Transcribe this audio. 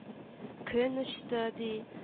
Көн очты, ди